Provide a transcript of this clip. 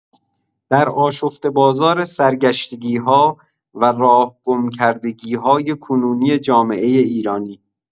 در آشفته‌بازار سرگشتگی‌ها و راه گم کردگی‌های کنونی جامعه ایرانی